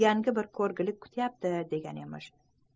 yangi bir ko'rgilik kutyapti degan emishsan